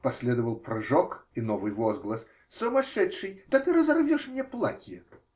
Последовал прыжок и новый возглас: -- Сумасшедший, да ты разорвешь мне платье!